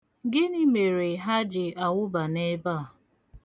Gịnị mere ha ji awụba n'ebe a?